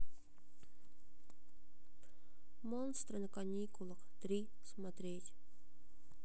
монстры на каникулах три смотреть